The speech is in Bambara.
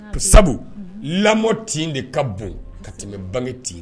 Ko sabu unhun lamɔ tin de ka bon ka tɛmɛ bange tin